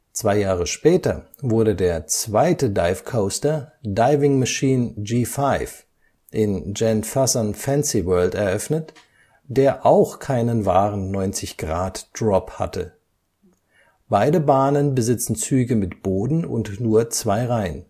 Zwei Jahre später wurde der zweite Dive Coaster Diving Machine G5 in Janfusun Fancyworld eröffnet, der auch keinen wahren 90° Drop hatte. Beide Bahnen besitzen Züge mit Boden und nur zwei Reihen